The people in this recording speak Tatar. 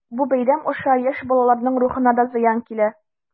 Бу бәйрәм аша яшь балаларның рухына да зыян килә.